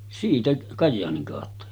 siitä Kajaanin kautta